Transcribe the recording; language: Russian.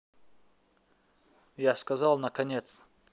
я сказал наконец